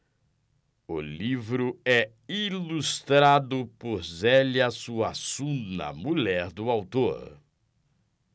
o livro é ilustrado por zélia suassuna mulher do autor